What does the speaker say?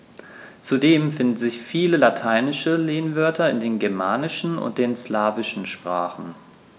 Zudem finden sich viele lateinische Lehnwörter in den germanischen und den slawischen Sprachen.